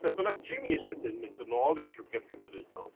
Beth bynnag tri mis wedyn mynd yn ôl i'r llyfrgell genedlaethol.